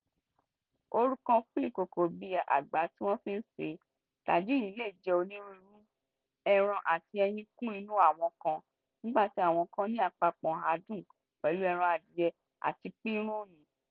Orúkọ fún ìkòkò bíi àgbá tí wọ́n fi ṣèé, tàjíìnì le jẹ́ onírúurú; ẹran àti ẹyin kún inú àwọn kan, nígbà tí àwọn kan ní àpapọ̀ adùn pẹ̀lú ẹran adìẹ àti pírùnì.